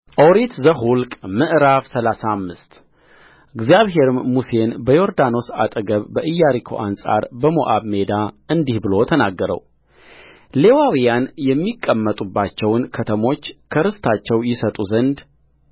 ኦሪት ዘኍልቍ ምዕራፍ ሰላሳ አምሰት እግዚአብሔርም ሙሴን በዮርዳኖስ አጠገብ በኢያሪኮ አንጻር በሞዓብ ሜዳ እንዲህ ብሎ ተናገረውሌዋውያን የሚቀመጡባቸውን ከተሞች ከርስታቸው ይሰጡ ዘንድ